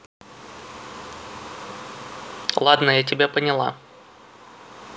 ладно я тебя поняла